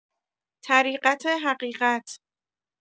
طریقت حقیقت